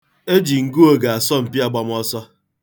E ji ngụoge asọ mpi agbamọsọ.